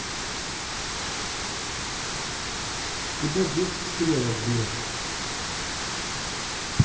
куда деть стрелок блядь